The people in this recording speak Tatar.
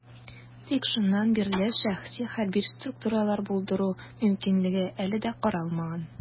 Тик шуннан бирле шәхси хәрби структуралар булдыру мөмкинлеге әле дә каралмаган.